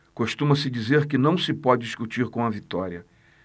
costuma-se dizer que não se pode discutir com a vitória